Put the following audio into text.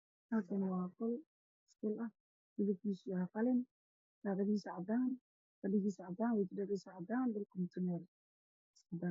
Halkan wa dhul midabkisuna wa qalin daaqadihisu wa cadan fafhigisuna wa cadan